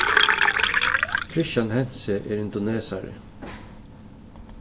kristian hentze er indonesari